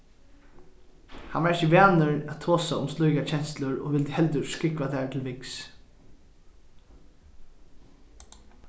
hann var ikki vanur at tosa um slíkar kenslur og vildi heldur skúgva tær til viks